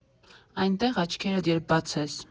Այնտեղ աչքերդ երբ բացես։